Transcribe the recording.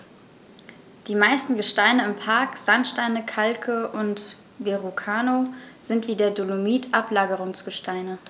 Die meisten Gesteine im Park – Sandsteine, Kalke und Verrucano – sind wie der Dolomit Ablagerungsgesteine.